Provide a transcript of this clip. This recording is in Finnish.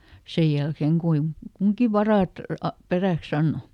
sen jälkeen kuinka kunkin varat - peräksi antoi